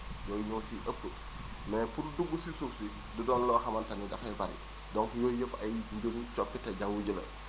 loolu moo si ëpp mais pour dugg pour si suuf si du doon loo xamante ni dafay bëri donc yooyu yëpp ay mbirum coppite jaww ji la